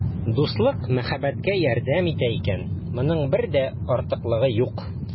Дуслык мәхәббәткә ярдәм итә икән, моның бер дә артыклыгы юк.